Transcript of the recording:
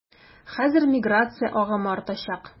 Хәзер миграция агымы артачак.